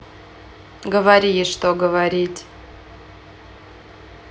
говори что говорить